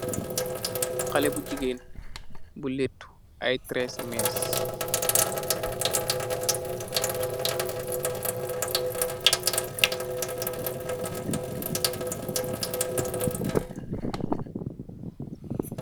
Xalex bu jigeen bu laatu ay tressi mess.